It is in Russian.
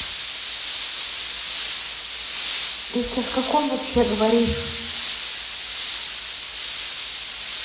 ты сейчас каком вообще говоришь